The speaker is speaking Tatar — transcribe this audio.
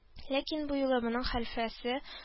Ләкин бу юлы моның хәлфәсе